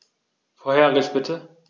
Vorheriges bitte.